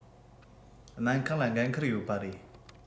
སྨན ཁང ལ འགན ཁུར ཡོད པ རེད